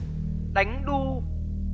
đánh đu